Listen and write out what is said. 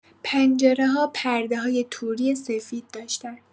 پنجره‌ها پرده‌های توری سفید داشتن.